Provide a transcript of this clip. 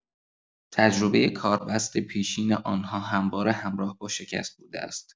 تجربۀ کاربست پیشین آن‌ها همواره همراه با شکست بوده است.